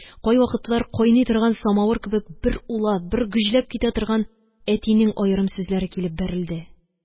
Кайвакытлар кайный торган самавыр кебек бер улап, бер гөжләп китә торган әтинең аерым сүзләре килеп бәрелде